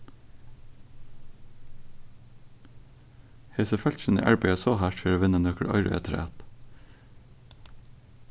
hesi fólkini arbeiða so hart fyri at vinna nøkur oyru afturat